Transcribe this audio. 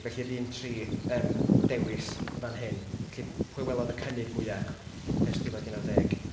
Felly yr un tri yym dewis yn fan hyn. Felly pwy welodd y cynnydd mwyaf ers dwy fil ac unarddeg?